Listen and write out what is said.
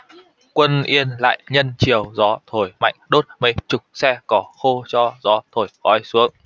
quân yên lại nhân chiều gió thổi mạnh đốt mấy chục xe cỏ khô cho gió thổi khói xuống